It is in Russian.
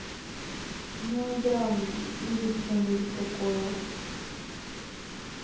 мелодрамы или что нибудь такое